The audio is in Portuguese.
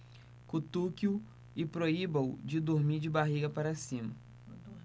cutuque-o e proíba-o de dormir de barriga para cima